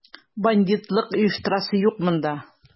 Бандитлык оештырасы юк монда!